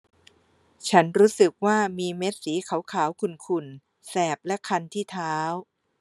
ฉันรู้สึกว่ามีเม็ดสีขาวขาวขุ่นขุ่นแสบและคันที่เท้า